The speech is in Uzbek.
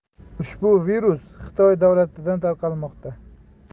ushbu virus xitoy davlatidan tarqalmoqda